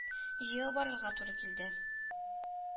Җәяү барырга туры килде.